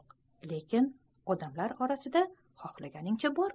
lekin odamlar orasida xohlaganingcha bor